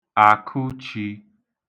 Àkụchī